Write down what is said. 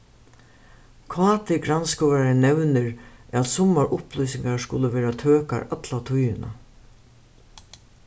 kt-grannskoðarin nevnir at summar upplýsingar skulu vera tøkar alla tíðina